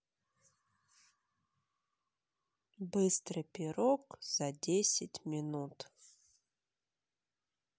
быстрый пирог за десять минут